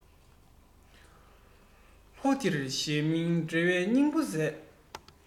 ལྟོ ཕྱིར གཞན མིག ཁྲེལ བ སྙིང པོ ཟད